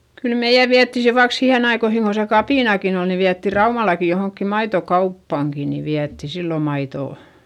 kyllä meidän vietiin se vaikka siihen aikoihin kun se kapinakin oli niin vietiin Raumallakin johonkin maitokauppaankin niin vietiin silloin maitoa